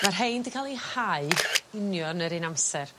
ma' rhein 'di ca'l eu hau union yr un amser